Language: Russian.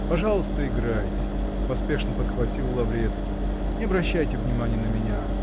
-- Пожалуйста, играйте, -- поспешно подхватил Лаврецкий, -- не обращайте внимания на меня.